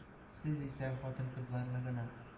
Сез исә хатын-кызларны гына.